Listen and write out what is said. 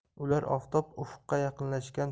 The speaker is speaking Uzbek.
ular oftob ufqqa yaqinlashgan